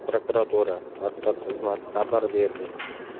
prokuratura matbuot xizmati xabar berdi